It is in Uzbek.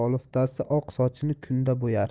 oliftasi oq sochini kunda bo'yar